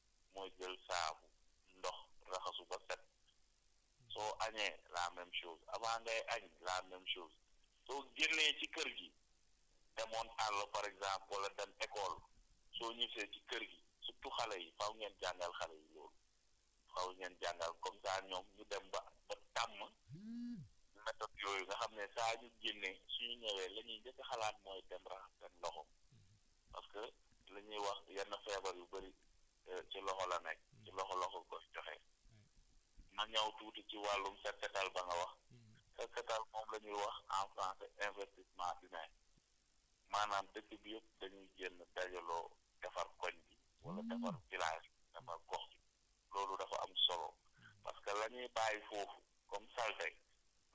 balaa ngaa def dara la ngay njëkk a def mooy jël saabu ndox raxasu ba set soo añee la même chose avant ngay añ la même chose boo génnee ci kër gi demoon àll par exemple wala dem école soo ñibbi see si kër gi surtout xale yi faaw ngeen jàngal xale yi loolu faaw ngeen jàngal comme ça ñoom ñu dem ba ba tàmm méthodes yooyu nga xam ne saa yu ñu génnee su ñu ñëwee la ñuy njëkk a xalaat mooy dem raxas seen loxo parce que lu ñuy wax yenn feebar yu bëri ci loxo la nekk ci loxo loxo ko joxe ma ñëw tuuti si wàllu set-setal ba nga wax set-setal moom la ñuy wax en français investissement humain maanaam dëkk bi yëpp dañuy génn dajaloo defar koñ wala defar village defar gox loolu dafa am solo